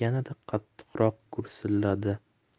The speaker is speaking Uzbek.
yanada qattiqroq gursilladi